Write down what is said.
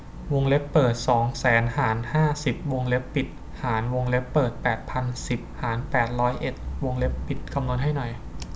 วงเล็บเปิดสองแสนหารห้าสิบวงเล็บปิดหารวงเล็บเปิดแปดพันสิบหารแปดร้อยเอ็ดวงเล็บปิดคำนวณให้หน่อย